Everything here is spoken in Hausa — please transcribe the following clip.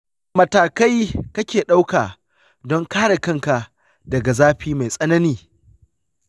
wadanne matakai kake ɗauka don kare kanka daga zafi mai tsanani?